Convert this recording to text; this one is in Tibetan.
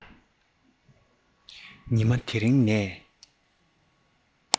ཉི མ དེ རིང ནས